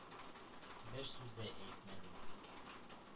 Бер сүз дә әйтмәде.